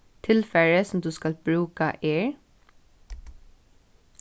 tilfarið sum tú skalt brúka er